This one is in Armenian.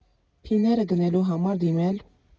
Փիները գնելու համար դիմել՝